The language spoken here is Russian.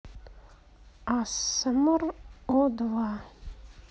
асмр о два